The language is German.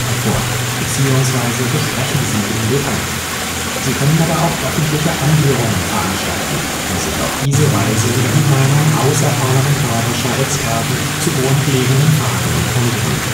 vor beziehungsweise besprechen sie im Detail. Sie können aber auch öffentliche Anhörungen veranstalten und sich auf diese Weise über die Meinung außerparlamentarischer Experten zu grundlegenden Fragen informieren